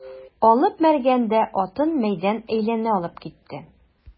Алып Мәргән дә атын мәйдан әйләнә алып китте.